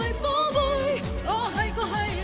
vui có hay có hay